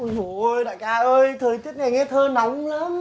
ôi giồi ôi đại ca ơi thời tiết này nghe thơ nóng lắm